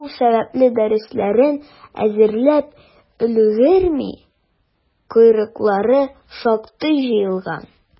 Шул сәбәпле, дәресләрен әзерләп өлгерми, «койрыклары» шактый җыелган.